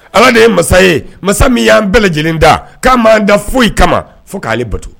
Ala de ye masa ye masa min y'an bɛɛ lajɛlen dan k'a man dan foyi kama fo k'ale bato.